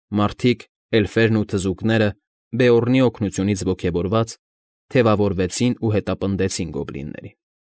Մարդիկ, էլֆերն ու թզուկները, Բեորնի օգնությունից ոգևորված, թևավորվեցին ու հետապնդեցին գոբլիններին։